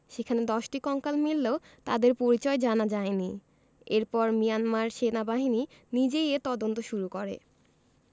সেখানে ১০টি কঙ্কাল মিললেও তাদের পরিচয় জানা যায়নি এরপর মিয়ানমার সেনাবাহিনী নিজেই এর তদন্ত শুরু করে